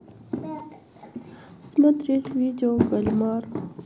смотреть видео кальмар